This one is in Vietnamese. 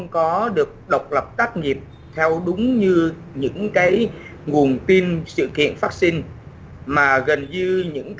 không có được độc lập tác nghiệp theo đúng như những cái nguồn tin sự kiện vắc xin mà gần như những